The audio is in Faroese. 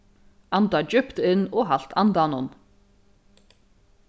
anda djúpt inn og halt andanum